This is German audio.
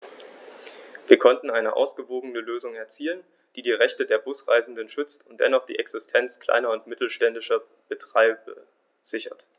Wir konnten eine ausgewogene Lösung erzielen, die die Rechte der Busreisenden schützt und dennoch die Existenz kleiner und mittelständischer Betreiber sichert.